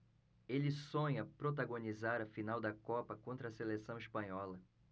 ele sonha protagonizar a final da copa contra a seleção espanhola